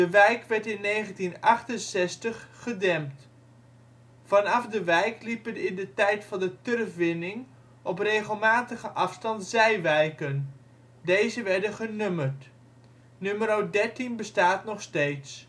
wijk werd in 1968 gedempt. Vanaf de wijk liepen in de tijd van de turfwinning op regelmatige afstand zijwijken. Deze werden genummerd. Numero Dertien bestaat nog steeds